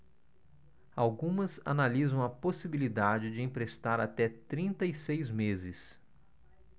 algumas analisam a possibilidade de emprestar até trinta e seis meses